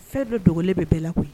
Fɛn dɔ dogolen bɛ bɛɛ la koyi !